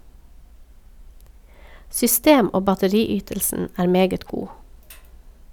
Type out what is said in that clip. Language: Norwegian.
System- og batteriytelsen er meget god.